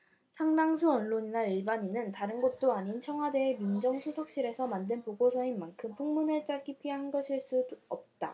상당수 언론이나 일반인은다른 곳도 아닌 청와대의 민정수석실에서 만든 보고서인 만큼 풍문을 짜깁기한 것일 수 없다